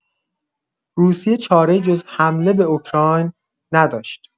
روسیه چاره‌ای جز حمله به اوکراین نداشت.